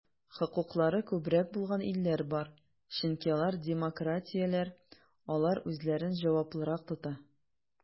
Хокуклары күбрәк булган илләр бар, чөнки алар демократияләр, алар үзләрен җаваплырак тота.